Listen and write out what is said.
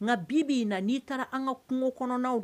Nka bi bɛ na n'i taara an ka kungo kɔnɔnaw